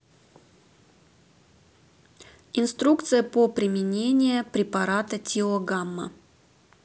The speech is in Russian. инструкция по применения препарата тиогамма